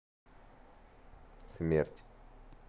смерть